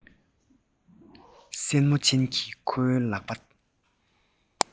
སེན མོ ཅན གྱི ཁོའི ལག པ